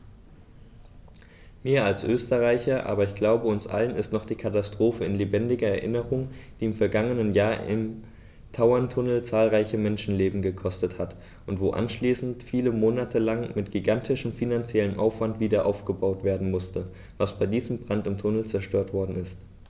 Mir als Österreicher, aber ich glaube, uns allen ist noch die Katastrophe in lebendiger Erinnerung, die im vergangenen Jahr im Tauerntunnel zahlreiche Menschenleben gekostet hat und wo anschließend viele Monate lang mit gigantischem finanziellem Aufwand wiederaufgebaut werden musste, was bei diesem Brand im Tunnel zerstört worden ist.